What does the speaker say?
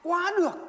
quá được